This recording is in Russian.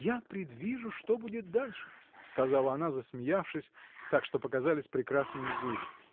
Я предвижу, что будет дальше, — сказала она, засмеявшись, так что показались прекрасные зубы.